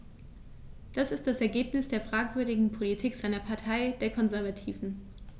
Das ist das Ergebnis der fragwürdigen Politik seiner Partei, der Konservativen.